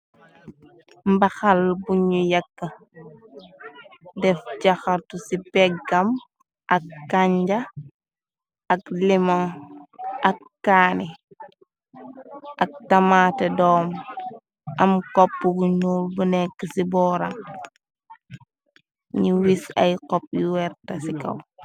Mbaxal buñu yakka, def jaxartu ci peggam ak kanja ak lemon ak kaani ak tamate doom, am kopp bu nuul bu nekka ci boora, ni wis ay xop yu werta ci kaw.